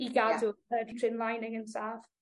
I gadw yr lining yn saff.